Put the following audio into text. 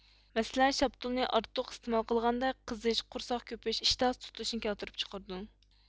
مەسىلەن شاپتۇلنى ئارتۇق ئىستېمال قىلغاندا قىزىش قورساق كۆپۈش ئىشتىھاسى تۇتۇلۇشنى كەلتۈرۈپ چىقىرىدۇ